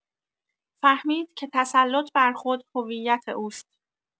فهمید که تسلط بر خود، هویت اوست.